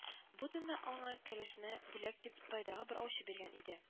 Бу тунны аңа кәләшенә бүләк дип тайгадагы бер аучы биргән иде